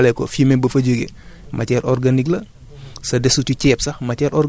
nga dem sa mbaaru xar nga bale ko fumier ba fa joge matière organique la